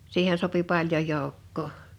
siihen sopi paljon joukkoa